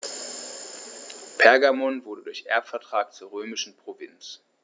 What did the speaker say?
Pergamon wurde durch Erbvertrag zur römischen Provinz.